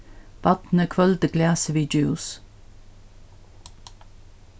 barnið hvølvdi glasið við djús